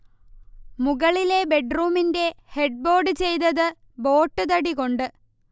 മുകളിലെ ബെഡ്റൂമിന്റെ ഹെഡ്ബോർഡ് ചെയ്തത് ബോട്ട്തടി കൊണ്ട്